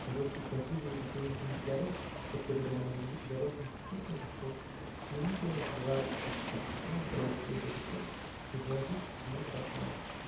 Заросший крапивой и репейником бугорок, под которым она лежит, огорожен черною решеткою, и я никогда не забываю из часовни подойти к этой решетке и положить земной поклон.